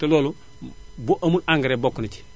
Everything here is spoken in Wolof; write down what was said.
te loolu bu amul engrais bokk na ci